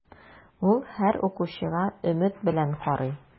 Ул һәр укучыга өмет белән карый.